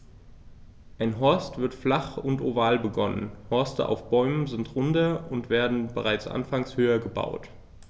Ein Horst wird flach und oval begonnen, Horste auf Bäumen sind runder und werden bereits anfangs höher gebaut.